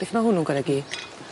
Beth ma' hwnnw'n golygu?